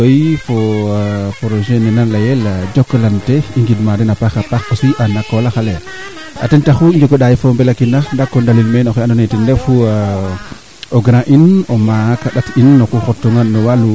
weene a ndefa wa ando naye a njeng a teen solo ko ga'oogu maak waa ando naye kaa farana na qoola keeke sax i leya o ŋool sereer kaa njegoogu xa loq a ŋenjadeno yo